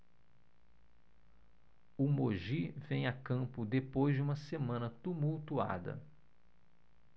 o mogi vem a campo depois de uma semana tumultuada